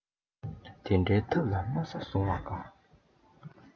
དེ འདྲའི ཐབས ལ དམའ ས བཟུང བ དགའ